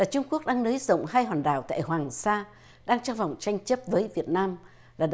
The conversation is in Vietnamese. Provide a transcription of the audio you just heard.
trung quốc đang nới rộng hay hòn đảo tại hoàng sa đang trong vòng tranh chấp với việt nam là